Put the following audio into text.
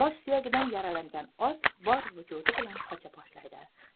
bosh suyagidan yaralangan ot bor vujudi bilan qocha boshlaydi